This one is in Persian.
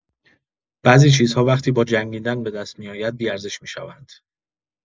بعضی چیزها وقتی با جنگیدن بدست می‌آید بی‌ارزش می‌شوند!